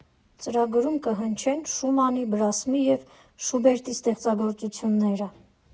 Ծրագրում կհնչեն Շումանի, Բրամսի և Շուբերտի ստեղծագործությունները։